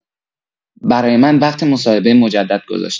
برای من وقت مصاحبه مجدد گذاشتن.